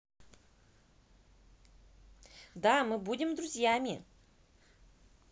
да мы будем друзьями